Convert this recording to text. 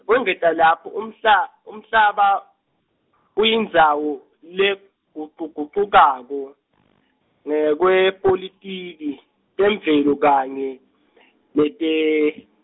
kwengeta lapho, umhla- umhlaba, uyindzawo, legucugucukako , ngekwepolitiki, temvelo kanye, nete .